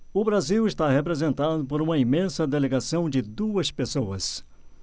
o brasil está representado por uma imensa delegação de duas pessoas